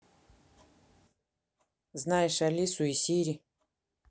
знаешь алису и сири